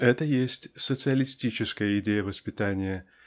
Это есть "социалистическая" идея воспитания